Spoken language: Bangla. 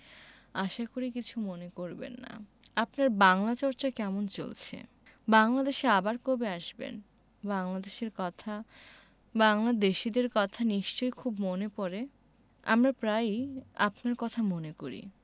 আশা করি কিছু মনে করবেন না আপনার বাংলা চর্চা কেমন চলছে বাংলাদেশে আবার কবে আসবেন বাংলাদেশের কথা বাংলাদেশীদের কথা নিশ্চয় খুব মনে পরে আমরা প্রায়ই আপনারর কথা মনে করি